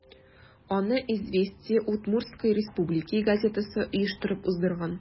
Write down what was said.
Аны «Известия Удмуртсткой Республики» газетасы оештырып уздырган.